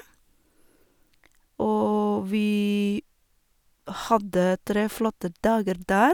Og vi hadde tre flotte dager der.